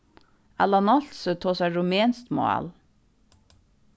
allan nolsøe tosar rumenskt mál